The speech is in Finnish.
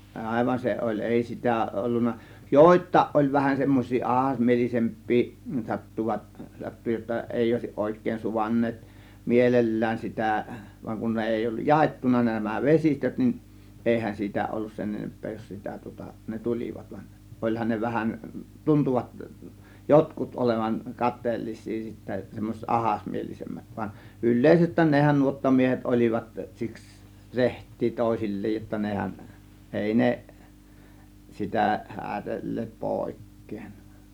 aivan se oli ei sitä ollut joitakin oli vähän semmoisia ahdasmielisempiä sattuivat sattui jotta ei olisi oikein suvainneet mielellään sitä vaan kun ne ei ollut jaettuna nämä vesistöt niin eihän siitä ollut sen enempää jos sitä tuota ne tulivat vaan olihan ne vähän tuntuivat jotkut olevan kateellisia sitten semmoiset ahdasmielisemmät vaan yleisesti nehän nuottamiehet olivat siksi rehtejä toisilleen jotta nehän ei ne sitä häädelleet pois